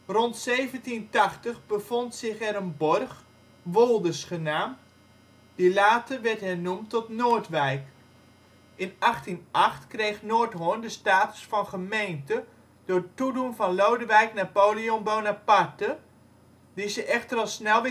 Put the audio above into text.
Rond 1780 bevond zich er een borg; Wolders genaamd, die later werd hernoemd tot Noordwijk. In 1808 kreeg Noordhorn de status van gemeente door toedoen van Lodewijk Napoleon Bonaparte, die ze echter al snel